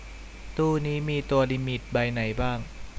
ตู้นี้มีตัวลิมิตใบไหนบ้าง